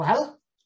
Wel,